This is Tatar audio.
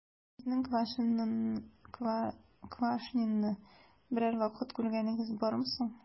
Сезнең Квашнинны берәр вакыт күргәнегез бармы соң?